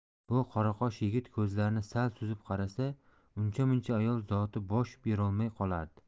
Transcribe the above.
bu qoraqosh yigit ko'zlarini sal suzib qarasa uncha muncha ayol zoti dosh berolmay qolardi